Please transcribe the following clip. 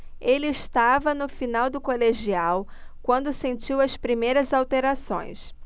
ele estava no final do colegial quando sentiu as primeiras alterações